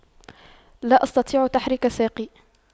لا أستطيع تحريك ساقي